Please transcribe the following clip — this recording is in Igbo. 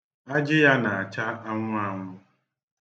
Ajị ya na-acha anwụ anwụ.